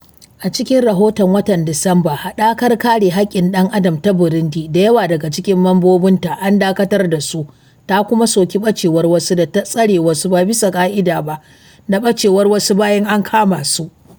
A cikin rahoton watan Disamba, hadakar Kare Haƙƙin Dan-Adam ta Burundi — da yawa daga cikin membobinta an dakatar da su — ta kuma soki bacewar wasu, da tsare wasu ba bisa ka'ida ba, da ɓacewar wasu bayan ankama su.